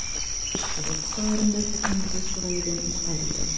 Тикшерү кысаларында закон бозучы гаебен инкарь итә.